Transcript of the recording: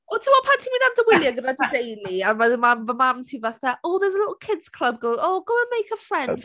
Ond tibod pan ti'n mynd ar dy wyliau gyda dy deulu? A mae mam ma' mam ti fatha, "Ooh, there's a little kids club going... go and make a friend."